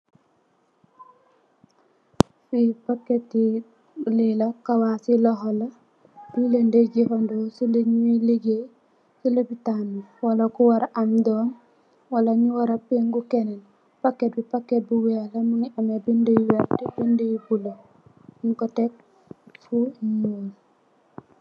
Lii packeti lila kawassi lokhor la, lii len dae jeufandoh cii lu njui legaye wala cii lopitan bii, wala ku wara am dorm, wala nju wara pehngu kenenn, packet bii packet bu wekh la, mungy ameh bindu yu vert, bindu yu bleu, njung kor tek fu njull.